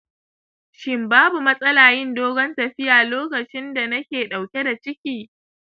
shin babu matsala yin dogon tafiya lokacinda nake dauke da ciki